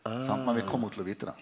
ah.